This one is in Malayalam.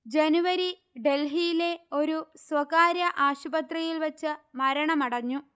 ജനുവരി ഡൽഹിയിലെ ഒരു സ്വകാര്യ ആശുപത്രിയിൽ വച്ച് മരണമടഞ്ഞു